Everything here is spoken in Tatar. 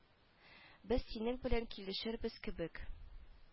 Без синең белән килешербез кебек